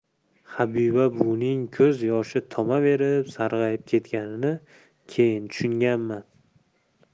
habiba buvining ko'z yoshi tomaverib sarg'ayib ketganini keyin tushunganman